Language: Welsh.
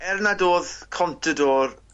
er nad odd Contador